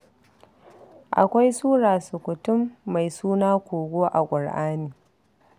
Akwai sura sukutum mai suna Kogo a ƙur'ani.